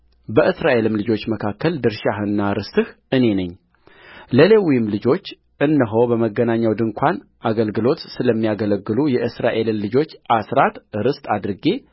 በእስራኤል ልጆች መካከል ድርሻህና ርስትህ እኔ ነኝለሌዊም ልጆች እነሆ በመገናኛው ድንኳን አገልግሎት ስለሚያገለግሉ የእስራኤልን ልጆች አሥራት ርስት አድርጌ